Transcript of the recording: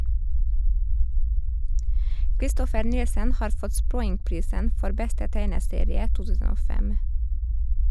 Christopher Nielsen har fått Sproingprisen for beste tegneserie 2005.